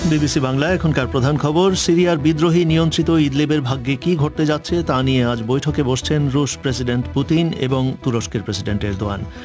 BBC Bangla এখনকার প্রধান খবর সিরিয়ার বিদ্রোহী নিয়ন্ত্রিত ঈদ লেপের ভাগ্যে এখন কি ঘটতে যাচ্ছে তা নিয়ে আজ বৈঠক হতে যাচ্ছে রুশ প্রেসিডেন্ট পুতিন এবং তুরস্কের প্রেসিডেন্ট এরদোয়ান